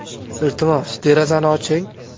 iltimos derazani oching